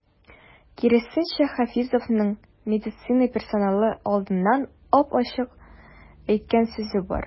Киресенчә, Хафизовның медицина персоналы алдында ап-ачык әйткән сүзе бар.